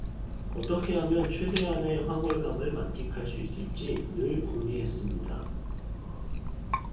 어떻게 하면 최대한의 황홀감을 만끽할 수 있을지 늘 궁리했습니다